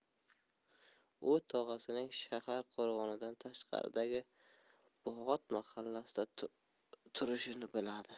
u tog'asining shahar qo'rg'onidan tashqaridagi bog'ot mahallasida turishini biladi